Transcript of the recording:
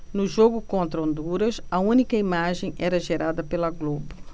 no jogo contra honduras a única imagem era gerada pela globo